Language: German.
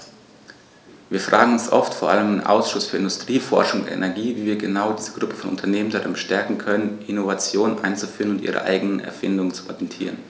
Wir fragen uns oft, vor allem im Ausschuss für Industrie, Forschung und Energie, wie wir genau diese Gruppe von Unternehmen darin bestärken können, Innovationen einzuführen und ihre eigenen Erfindungen zu patentieren.